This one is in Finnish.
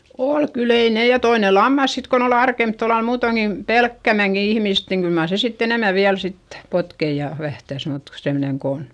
oli kyllä ei ne ja toinen lammas sitten kun oli arempi tuolla lailla muutoinkin pelkämäänkin ihmistä niin kyllä mar se sitten enemmän vielä sitten potki ja vähtäsi mutta semmoinen kun on